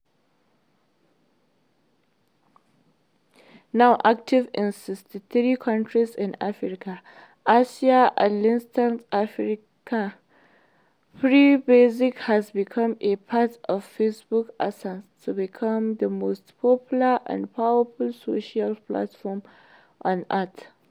Now active in 63 countries in Africa, Asia and Latin America, Free Basics has become a part of Facebook's ascent to becoming the most popular and powerful social platform on earth.